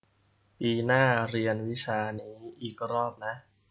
ปีหน้าเรียนวิชานี้อีกรอบนะ